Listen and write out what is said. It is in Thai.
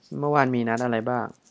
เมื่อวานมีนัดอะไรบ้าง